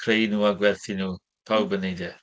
Creu nhw a gwerthu nhw. Pawb yn wneud e.